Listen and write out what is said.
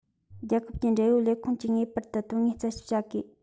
རྒྱལ ཁབ ཀྱི འབྲེལ ཡོད ལས ཁུངས ཀྱིས ངེས པར དུ དོན དངོས ཞིབ རྩད བྱ དགོས